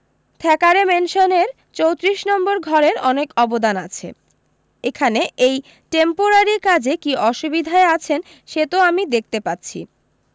Thackeray ম্যানসনের চোত্রিশ নম্বর ঘরের অনেক অবদান আছে এখানে এই টেমপোরারি কাজে কী অসুবিধায় আছেন সে তো আমি দেখতে পাচ্ছি